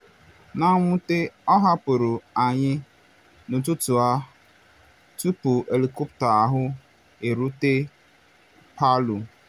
Na mwute ọ hapụrụ anyị n’ụtụtụ a tupu helikọpta ahụ erute Palu.